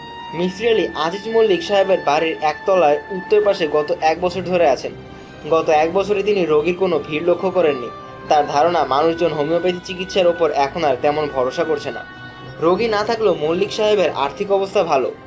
মিসির আলি আজিজ মল্লিক সাহেবের বাড়ির একতলায় উত্তর পাশে গত এক বছর ধরে আছেন গত এক বছরে তিনি রােগীর কোনাে ভিড় লক্ষ করেন নি তার ধারণা মানুষজন হােমিওপ্যাথি চিকিৎসার ওপর এখন আর তেমন ভরসা করছে না রােগী না থাকলেও মল্লিক সাহেবের আর্থিক অবস্থা ভালাে